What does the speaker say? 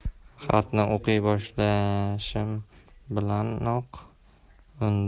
xatni o'qiy boshlashim bilanoq unda